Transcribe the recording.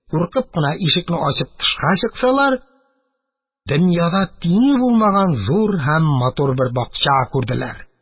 Куркып кына ишекне ачып тышка чыксалар, дөньяда тиңе булмаган зур һәм матур бер бакча күрделәр.